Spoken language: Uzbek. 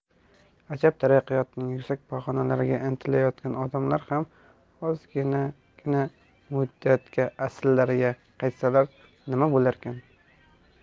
ajab taraqqiyotning yuksak pog'onalariga intilayotgan odamlar ham ozginagina muddatga asllariga qaytsalar nima bo'larkin